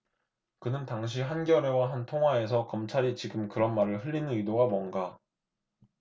그는 당시 한겨레 와 한 통화에서 검찰이 지금 그런 말을 흘리는 의도가 뭔가